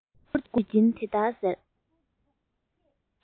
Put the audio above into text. མགོ སྒུར སྒུར བྱེད ཀྱིན དེ ལྟར ཟེར